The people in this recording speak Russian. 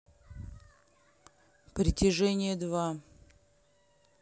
притяжение два